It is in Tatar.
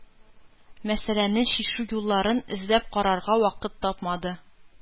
Мәсьәләне чишү юлларын эзләп карарга вакыт тапмады.